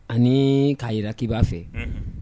Ani k'a jira k'i' aa fɛ